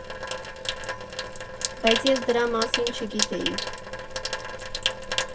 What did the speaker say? Բայց ես դրա մասին չգիտեի։